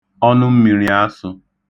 ọnụmmīrīāsụ̄